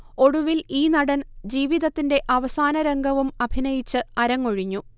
ഒടുവിൽ ഈ നടൻ ജീവിതത്തിന്റെ അവസാനരംഗവും അഭിനയിച്ച് അരങ്ങൊഴിഞ്ഞു